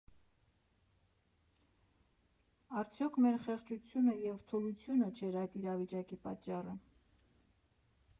Արդյո՞ք մեր խեղճությունը և թուլությունը չէր այդ իրավիճակի պատճառը։